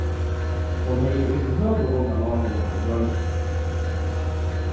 hon hevði yvirhøvur ongan áhuga fyri dreingjum